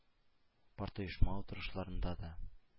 Партоешма утырышларында да